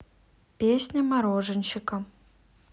песня мороженщика